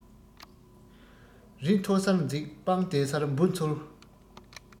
རི མཐོ སར འཛེགས སྤང བདེ སར འབུ འཚོལ